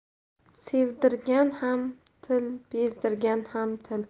sevdirgan ham til bezdirgan ham til